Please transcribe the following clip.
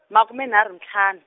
makume nharhu ntlhanu.